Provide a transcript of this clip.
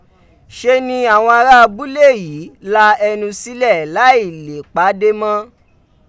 Ṣe ni awọn ara abule yii la ẹnu sílẹ lai lee pa de mọ.